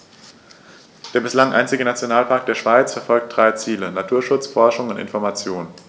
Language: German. Der bislang einzige Nationalpark der Schweiz verfolgt drei Ziele: Naturschutz, Forschung und Information.